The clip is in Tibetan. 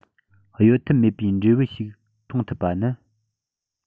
གཡོལ ཐབས མེད པའི འབྲས བུ ཞིག མཐོང ཐུབ པ ནི